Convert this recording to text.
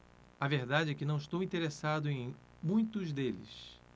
a verdade é que não estou interessado em muitos deles